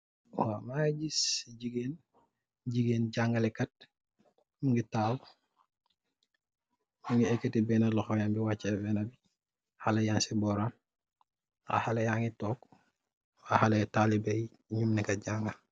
Waw mage giss jegain jegain jagalekat muge tahaw muge ekete bena lohouyam bi wache benabi haleh yang se boram haleh yage tonke ah haleh talibeh nug neka janga.